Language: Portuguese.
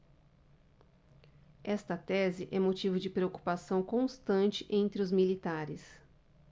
esta tese é motivo de preocupação constante entre os militares